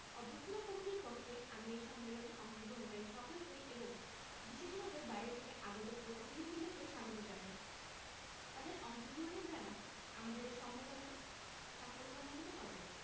অভ্যর্থনা কমিটির পক্ষে আমি এই সম্মেলনে অংশগ্রহণকারী সকলকে ও বিশেষভাবে বাইরে থেকে আগত প্রতিনিধিবৃন্দকে স্বাগত জানাই তাদের অংশগ্রহণের দ্বারা আমাদের এ সম্মেলনে সাফল্যমণ্ডিত হবে